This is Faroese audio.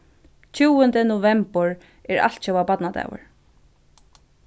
tjúgundi novembur er altjóða barnadagur